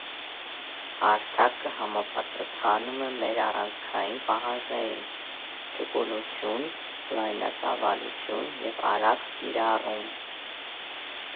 «Հարթակը համապատասխանում է մեր առանցքային պահանջներին՝ ճկունություն, լայնածավալություն և արագ կիրառում»։